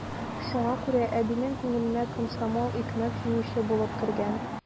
Шуңа күрә әбинең күңеленә комсомол икмәк җыючы булып кергән.